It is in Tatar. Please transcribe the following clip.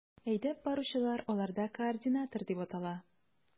Әйдәп баручылар аларда координатор дип атала.